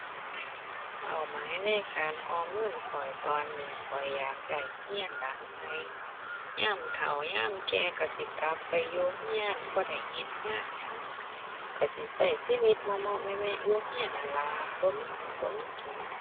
เป้าหมายในการออมเงินข้อยตอนนี้ ข้อยอยากได้เรือนหลังใหม่ ยามเฒ่ายามแก่เรือนสิกลับไปอยู่เรือน บ่ได้เฮ็ดงานหยัง เรือนสิเรือนชีวิตเมาะเมาะแมะแมะอยู่เรือนนั่นล่ะ บ่มีหนี้ บ่มีสิน